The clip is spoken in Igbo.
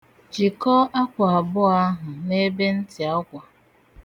Jikọọ akwa abụọ ahụ n'ebe ntị akwa.